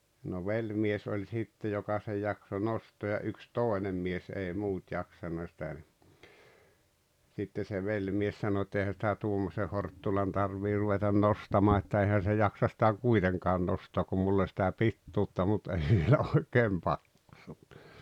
no velimies oli sitten joka sen jaksoi nostaa ja yksi toinen mies ei muut jaksanut sitä niin sitten se velimies sanoi että eihän sitä tuommoisen horttulan tarvitse ruveta nostamaan että eihän se jaksa sitä kuitenkaan nostaa kun minulla oli sitä pituutta mutta ei vielä oikein paksuutta